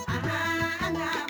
San